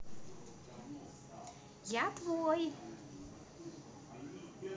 я твой